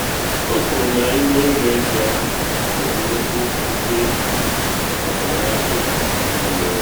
O kwuru n’ime ụlọ ezi ahụ bụ nnukwu oke ezi ọbara dị n’ọnụ ya.